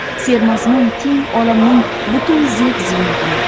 sermazmun keng olamning butun zeb ziynatini